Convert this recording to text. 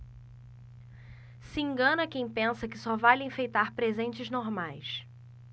se engana quem pensa que só vale enfeitar presentes normais